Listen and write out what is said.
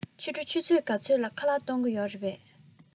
ཕྱི དྲོ ཆུ ཚོད ག ཚོད ལ ཁ ལག གཏོང གི རེད པས